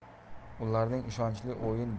ularning ishonchli o'yini